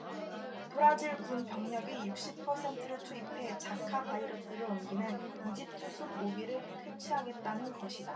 브라질 군 병력의 육십 퍼센트를 투입해 지카 바이러스를 옮기는 이집트 숲 모기를 퇴치하겠다는 것이다